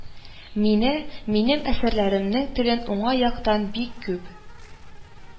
Мине, минем әсәрләремнең телен уңай яктан бик күп